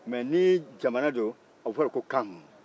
nka ni jamana don a bɛ fɔ de ko kan